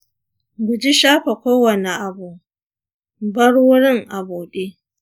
guji shafa kowane abu; bar wurin a buɗe.